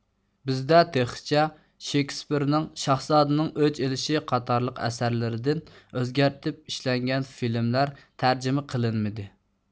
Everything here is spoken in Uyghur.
بىزدە تېخىچە شېكېسپېرنىڭ شاھزادىنىڭ ئۆچ ئېلىشى قاتارلىق ئەسەرلىرىدىن ئۆزگەرتىپ ئىشلەنگەن فىلىملەر تەرجىمە قىلىنمىدى